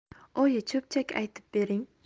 oyi cho'pchak aytib bering